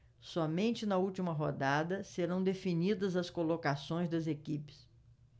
somente na última rodada serão definidas as colocações das equipes